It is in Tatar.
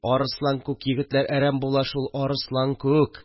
Арыслан күк егетләр әрәм була шул, арыслан күк